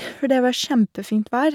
For det var kjempefint vær.